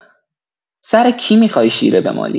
سر کی می‌خوای شیره بمالی؟